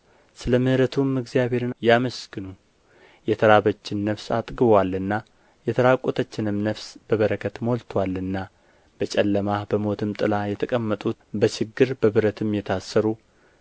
ስለ ምሕረቱም እግዚአብሔርን ያመስግኑ የተራበችን ነፍስ አጥግቦአልና የተራቈተችንም ነፍስ በበረከት ሞልቶአልና በጨለማ በሞትም ጥላ የተቀመጡ በችግር በብረትም የታሰሩ